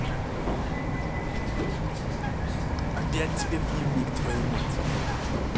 опять тебе в дневник твою мать